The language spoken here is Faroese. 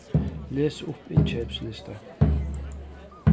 les upp innkeypslista